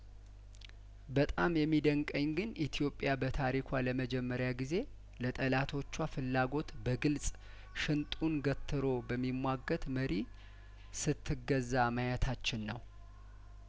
በጣም የሚደንቀኝ ግን ኢትዮጵያ በታሪኳ ለመጀመሪያ ጊዜ ለጠላቶቹዋ ፍላጐት በግልጽ ሽንጡን ገትሮ በሚሟገት መሪ ስትገዛ ማየታችን ነው